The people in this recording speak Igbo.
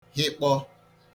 hịkpọ